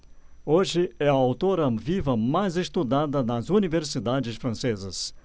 hoje é a autora viva mais estudada nas universidades francesas